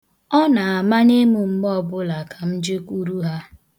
Ọ na-amanye m mgbe ọbụla ka m jekwuru ha.